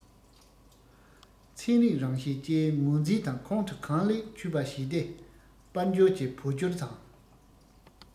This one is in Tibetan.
ཚན རིག རང བཞིན བཅས ངོས འཛིན དང ཁོང དུ གང ལེགས ཆུད པ བྱས ཏེ དཔལ འབྱོར གྱི བོད སྐྱོར དང